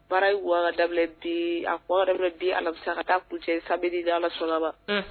Baara in kun ka kan ka daminɛ bi, a kun ka kan ka daminɛ bi alamisa ka taa kuncɛ samedi la, n' allah sɔnn'a ma